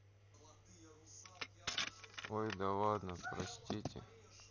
ой да ладно простите